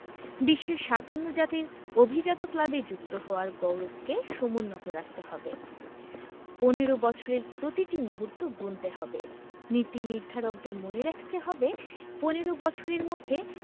বিশ্বের ৫৭ জাতির অভিজাত ক্লাবে যুক্ত হওয়ার গৌরবকে সমুন্নত রাখতে হবে ১৫ বছরের প্রতিটি মুহূর্ত গুনতে হবে নীতিনির্ধারকদের মনে রাখতে হবে ১৫ বছরের মধ্যে